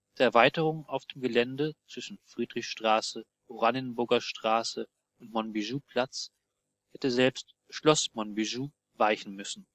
Erweiterung auf dem Gelände zwischen Friedrichstraße, Oranienburger Straße und Monbijouplatz hätte selbst Schloss Monbijou weichen müssen